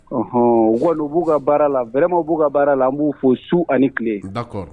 Ɔhɔn o kɔni o b'u ka baara la vraiment o b'u ka baara la an b'u fo su ani tile.